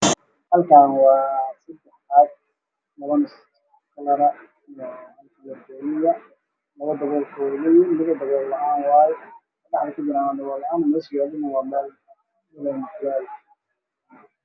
Gashan waxaa iga muuqda saddex qof oo saabon dal gashato